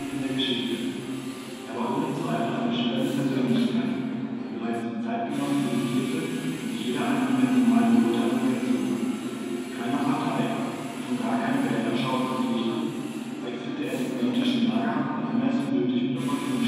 in der Geschichte. Churchill-Denkmal in London Er war ohne Zweifel eine schillernde Persönlichkeit, die bereits die Zeitgenossen irritierte und sich jeder eindimensionalen Beurteilung entzog. Keiner Partei, schon gar keiner Weltanschauung verpflichtet, wechselte er die politischen Lager, wann immer es ihm nötig und opportun